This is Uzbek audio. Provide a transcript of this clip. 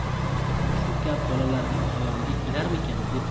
shu ran bolalarning xayoliga kelarmikan